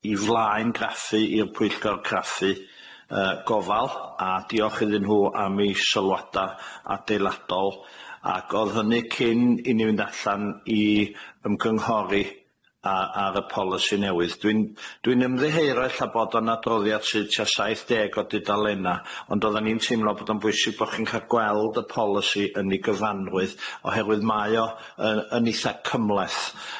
i flaengraffu i'r pwyllgor craffu yy gofal a diolch iddyn nhw am 'i sylwada adeiladol ag odd hynny cyn i ni fynd allan i ymgynghori a- ar y polisi newydd dwi'n dwi'n ymddiheuro ella bod o'n adroddiad sydd tua saith deg o dudalenna ond oddan ni'n teimlo bod o'n bwysig bo' chi'n ca'l gweld y polisi yn ei gyfanrwydd oherwydd mae o yy yn itha cyhleth